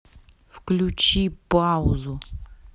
выключи паузу